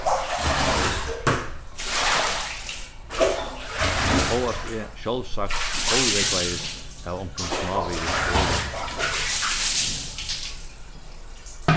hóast eg sjálvsagt órógvaðist av onkrum smávegis orðum